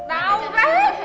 đau rát